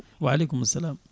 waleykumu salam